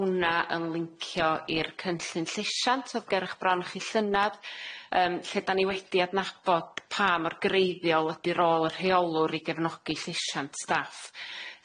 hwnna yn lincio i'r cynllun llesiant o'dd gerch bron chi llynad yym lle dan ni wedi adnabod pa mor greiddiol ydi rôl y rheolwr i gefnogi llesiant staff,